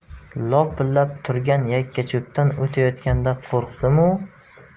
lopillab turgan yakkacho'pdan o'tayotganda qo'rqdimu